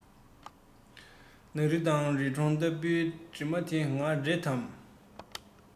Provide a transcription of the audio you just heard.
ནགས རི དང རི གྲོང ལྟ བུའི གྲིབ མ དེ ང རེད དམ